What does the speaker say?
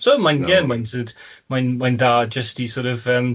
So mae'n, ie, mae'n syniad... Mae'n mae'n dda just i sor' of yym